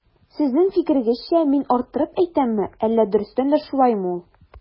Сезнең фикерегезчә мин арттырып әйтәмме, әллә дөрестән дә шулаймы ул?